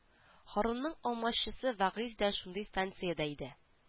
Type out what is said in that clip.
Һарунның алмашчысы вәгыйзь дә шунда станциядә иде